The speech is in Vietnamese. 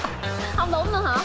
không đúng nữa hả